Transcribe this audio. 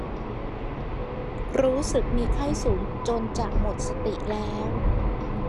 รู้สึกมีไข้สูงจนจะหมดสติแล้ว